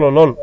waaw